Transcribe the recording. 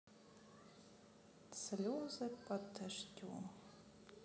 слезы под дождем